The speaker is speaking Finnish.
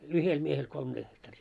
yhdellä miehellä kolme hehtaaria